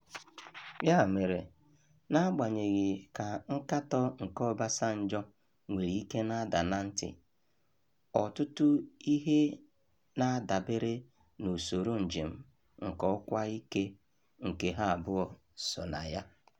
Ya mere, na-agbanyeghị ka nkatọ nke Obasanjo nwere ike na-ada na ntị, ọtụtụ ihe na-adabere n’usoro njem nke ọkwa ike nke ha abụọ so na ya.